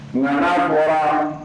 Naamu kɔrɔ